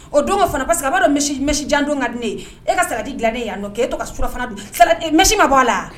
O don o fana parceseke b'a dɔn jandon ka di ne e ka sagadi dilannen ye' e to ka s sufana bin kɛlɛsi ma bɔ a la